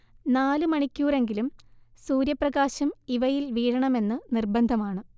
നാല് മണിക്കൂറെങ്കിലും സൂര്യപ്രകാശം ഇവയിൽ വീഴണമെന്ന് നിര്ബന്ധമാണ്